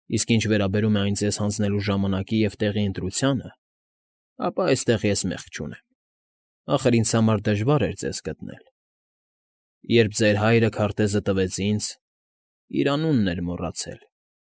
Իսկ ինչ վրաբերում է այն ձեզ հանձնելու ժամանակի և տեղի ընտրությանը, ապա այստեղ ես մեղք չունեմ, ախր ինձ համար դժվար էր ձեզ գտնել… Երբ ձեր հայրը քարտեզը տվեց ինձ, իր անունն էր մոռացել,